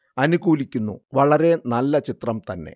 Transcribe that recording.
അനുകൂലിക്കുന്നു വളരെ നല്ല ചിത്രം തന്നെ